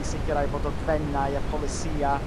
i sicr'au bo' dogfennau a polisia'